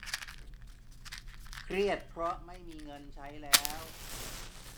เครียดเพราะไม่มีเงินใช้แล้ว